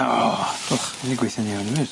O, wch. Mae 'di gweithio'n iawn efyd.